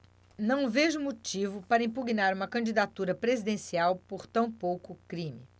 não vejo motivo para impugnar uma candidatura presidencial por tão pouco crime